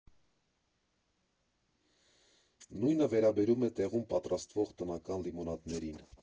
Նույնը վերաբերում է տեղում պատրաստվող տնական լիմոնադներին։